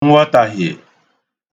nghọtahiè